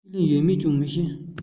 ཁས ལེན ཡོད མེད ཀྱང མི ཤེས